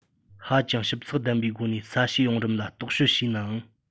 ཧ ཅང ཞིབ ཚགས ལྡན པའི སྒོ ནས ས གཤིས བང རིམ ལ རྟོག དཔྱོད བྱས ནའང